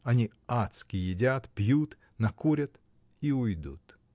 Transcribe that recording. Они адски едят, пьют, накурят и уйдут.